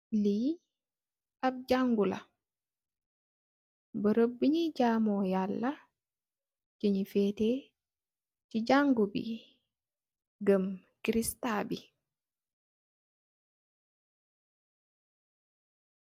Li ap jangu la barab bi ñoyeh jàmóó yalla ci ñi feteh ci jangu bi, gëm Kris ta bi.